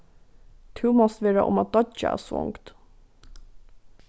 tú mást vera um at doyggja av svongd